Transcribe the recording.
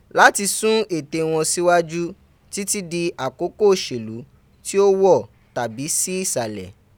lati sun ete won siwaju titi di akoko oselu ti o wo tabi si sile.